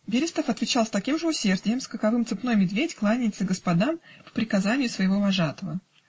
Берестов отвечал с таким же усердием, с каковым цепной медведь кланяется господам по приказанию своего вожатого.